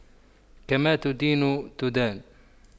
كما تدين تدان